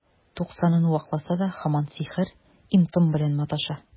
Туксанын вакласа да, һаман сихер, им-том белән маташа.